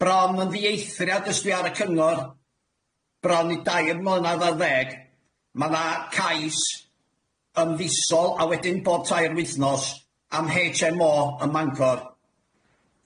Bron yn ddieithriad os dwi ar y cyngor, bron i dair mlynadd ar ddeg ma' na cais ymddisol a wedyn bob tair wythnos am Heitch Em O ym Mangor.